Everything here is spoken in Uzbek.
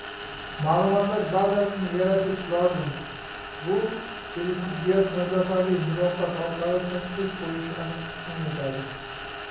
ma'lumotlar bazasini yaratish lozim bu teletibbiyot masofaviy muloqot orqali tashxis qo'yishni anglatadi